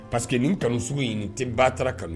Parceque nin kanu sugu in tɛ batara kanu